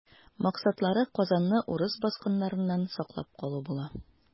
Максатлары Казанны урыс баскыннарыннан саклап калу була.